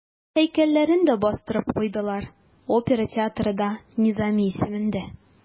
Һәйкәлләрен дә бастырып куйдылар, опера театры да Низами исемендә.